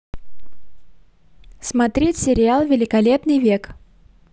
смотреть сериал великолепный век